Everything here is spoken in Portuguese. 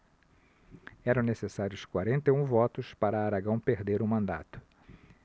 eram necessários quarenta e um votos para aragão perder o mandato